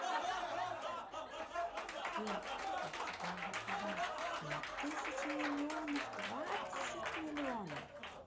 сбер я тебя люблю на тысячу миллионов двадцать миллионов